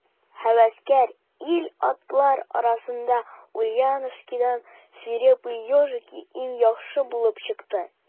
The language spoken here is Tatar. Һәвәскәр ир-атлар арасында Ульяновскидан «Свирепые ежики» иң яхшы булып чыкты.